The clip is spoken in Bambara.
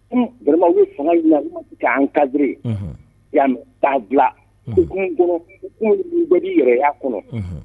Balima fanga in k'an kadi' k' dukun u kulubali yɛrɛya kɔnɔ